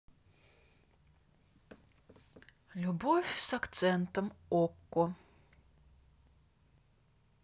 любовь с акцентом окко